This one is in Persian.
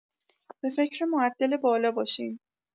به فکر معدل بالا باشین.